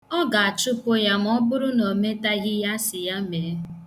Ọ ga-achụpụ ya ọ bụrụ na o metaghị ihe a sị ya mee.